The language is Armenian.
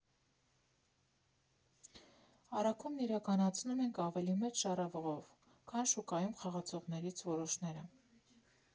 Առաքումն իրականացնում ենք ավելի մեծ շառավղով, քան շուկայում խաղացողներից որոշները։